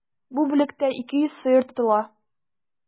Бу бүлектә 200 сыер тотыла.